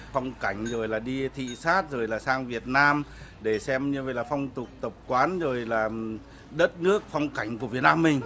phong cảnh rồi là đi thị sát rồi là sang việt nam để xem như là phong tục tập quán rồi là đất nước phong cảnh của việt nam mình